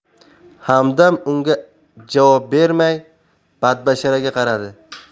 hamdam unga javob bermay badbasharaga qaradi